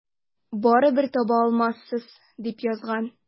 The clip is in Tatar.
Барыбер таба алмассыз, дип язган.